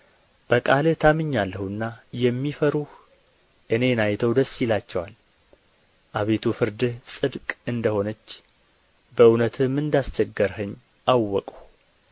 በቃልህ ታምኛለሁና የሚፈሩህ እኔን አይተው ደስ ይላቸዋል አቤቱ ፍርድህ ጽድቅ እንደ ሆነች በእውነትህም እንዳስቸገርኸኝ አወቅሁ